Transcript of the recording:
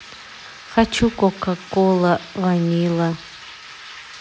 хочу кока кола ванилла